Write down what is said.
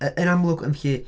Yn amlwg yn gallu